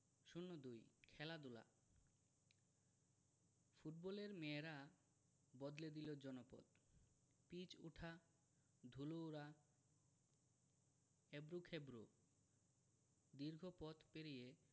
০২ খেলাধুলা ফুটবলের মেয়েরা বদলে দিল জনপদ পিচ ওঠা ধুলো ওড়া এবড়োখেবড়ো দীর্ঘ পথ পেরিয়ে